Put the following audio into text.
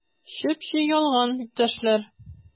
Чеп-чи ялган, иптәшләр!